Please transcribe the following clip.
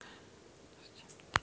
три короля